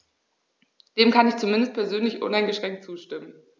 Dem kann ich zumindest persönlich uneingeschränkt zustimmen.